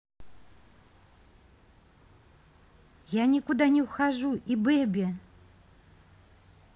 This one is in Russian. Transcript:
я никуда не ухожу и baby